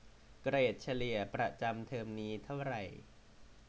เกรดเฉลี่ยประจำเทอมนี้เท่าไหร่